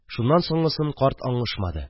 Шуннан соңгысын карт аңышмады